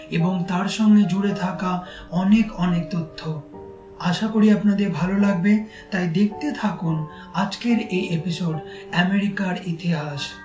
এবং তার সঙ্গে জুড়ে থাকা অনেক অনেক তথ্য আশা করি আপনাদের ভালো লাগবে দেখতে থাকুন আজকের এই এপিসোড এমেরিকার ইতিহাস